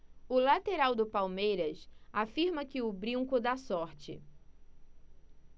o lateral do palmeiras afirma que o brinco dá sorte